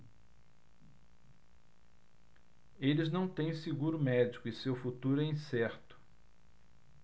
eles não têm seguro médico e seu futuro é incerto